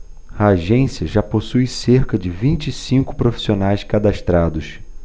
a agência já possui cerca de vinte e cinco profissionais cadastrados